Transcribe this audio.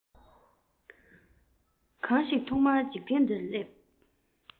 གང ཞིག ཐོག མར འཇིག རྟེན འདིར སླེབས